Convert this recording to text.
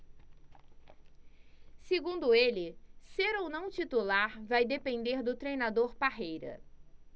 segundo ele ser ou não titular vai depender do treinador parreira